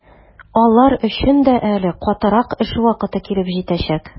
Алар өчен дә әле катырак эш вакыты килеп җитәчәк.